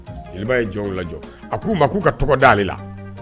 Jeliba ye jɔ la jɔ a k' ma k'u ka tɔgɔ dalen ale la